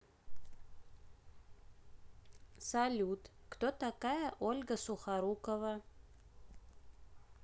салют кто такая ольга сухорукова